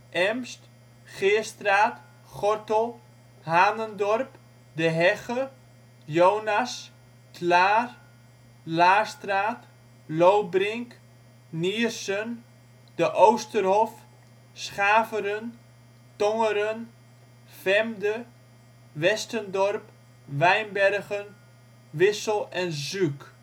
Emst, Geerstraat, Gortel, Hanendorp, De Hegge, Jonas, ' t Laar, Laarstraat, Loobrink, Niersen, De Oosterhof, Schaveren, Tongeren, Vemde, Westendorp, Wijnbergen, Wissel en Zuuk